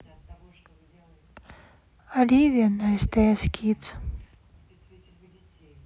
оливия на стс кидс